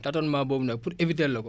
tatonement boobu nag pour éviter la ko